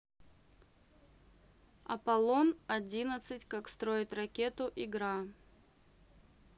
аполлон одиннадцать как строить ракету игра